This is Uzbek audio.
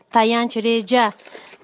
tayanch reja